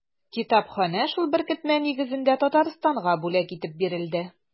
Китапханә шул беркетмә нигезендә Татарстанга бүләк итеп бирелде.